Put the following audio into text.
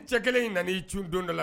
Cɛ 1 in nan'i cun don dɔ la